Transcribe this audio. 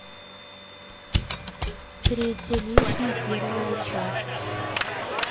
третий лишний первая часть